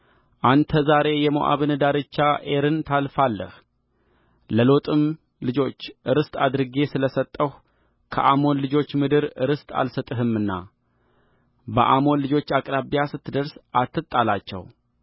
አንተ ዛሬ የሞዓብን ዳርቻ ዔርን ታልፋለህለሎጥም ልጆች ርስት አድርጌ ስለ ሰጠሁ ከአሞን ልጆች ምድር ርስት አልሰጥህምና በአሞን ልጆች አቅራቢያ ስትደርስ አትጣላቸው